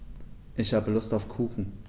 Ich habe Lust auf Kuchen.